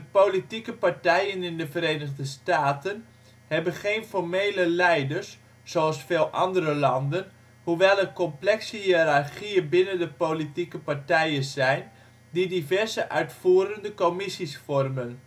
politieke partijen in de Verenigde Staten hebben geen formele „ leiders “zoals veel andere landen, hoewel er complexe hiërarchieën binnen de politieke partijen zijn die diverse uitvoerende commissies vormen